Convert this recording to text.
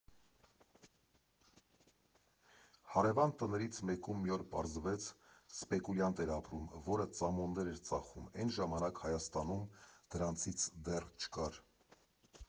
Հարևան տներից մեկում, մի օր պարզվեց, սպեկուլյանտ էր ապրում, որը ծամոններ էր ծախում՝ էն ժամանակ Հայաստանում դրանցից դեռ չկար։